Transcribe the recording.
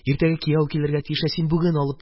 Иртәгә кияү килергә тиеш, ә син бүген алып кит.